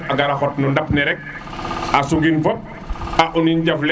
a gara xot no ndap le rek a suyin fop qunin jaf leŋ